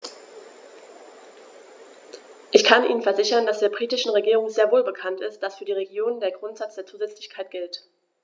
Ich kann Ihnen versichern, dass der britischen Regierung sehr wohl bekannt ist, dass für die Regionen der Grundsatz der Zusätzlichkeit gilt.